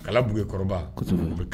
Kala Bukeyi kɔrɔba kosɛbɛ o be k